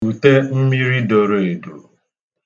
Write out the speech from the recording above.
Kute mmiri doro edo.